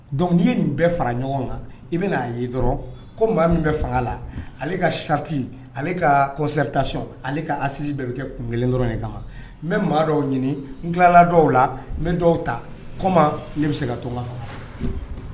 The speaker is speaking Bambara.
Dɔnkuc n'i ye nin bɛɛ fara ɲɔgɔn kan i bɛna'a ye dɔrɔn ko maa min bɛ fanga la ale ka sati ale ka kɔ kosɛbɛtacon ale ka asi bɛɛ bɛ kɛ kun kelen dɔrɔn ye kama n bɛ maa dɔw ɲini n tilala dɔw la n bɛ dɔw ta kɔ ne bɛ se ka toma